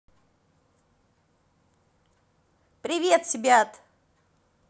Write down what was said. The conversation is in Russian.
привет тебе от